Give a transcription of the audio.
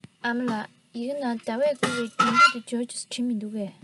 ཨ མ ལགས ཡི གེ ནང ཟླ བསྐུར བའི སྒྲུང དེབ དེ འབྱོར བའི སྐོར བྲིས འདུག གས